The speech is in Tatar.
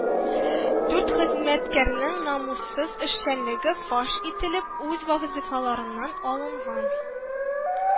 Дүрт хезмәткәрнең намуссыз эшчәнлеге фаш ителеп, үз вазифаларыннан алынган